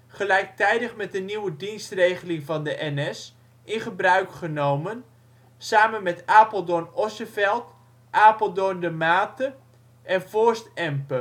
gelijktijdig met de nieuwe dienstregeling van de NS, in gebruik genomen, samen met Apeldoorn Osseveld, Apeldoorn De Maten en Voorst-Empe